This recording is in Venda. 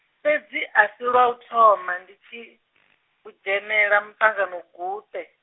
fhedzi a si lwa u thoma ndi tshi , udzhenela- muṱanganoguṱe.